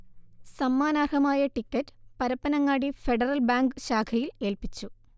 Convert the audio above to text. സമ്മാനർഹമായ ticket Parappanangadi federal bank ശാഖയിൽ ഏൽപിച്ചു